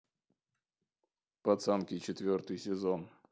пацанки четвертый сезон